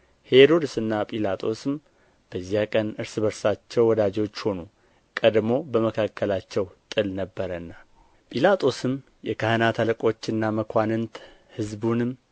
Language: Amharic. ሄሮድስና ጲላጦስም በዚያን ቀን እርስ በርሳቸው ወዳጆች ሆኑ ቀድሞ በመካከላቸው ጥል ነበረና ጲላጦስም የካህናትን አለቆችና መኳንንትን ሕዝቡንም